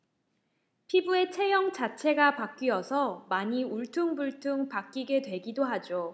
피부의 체형 자체가 바뀌어서 많이 울퉁불퉁 바뀌게 되기도 하죠